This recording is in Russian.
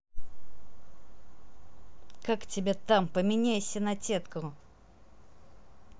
как тебя там поменяйся на тетку